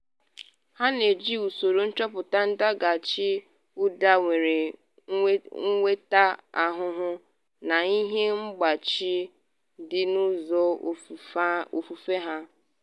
Ha na-eji usoro nchọpụta ndaghachi ụda were nweta ahụhụ na ihe mgbachi dị n’ụzọ ofufe ha.